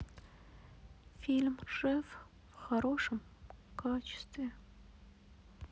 фильм ржев в хорошем качестве